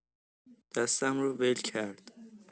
دستم رو ول کرد.